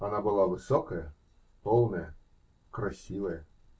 Она была высокая, полная, красивая.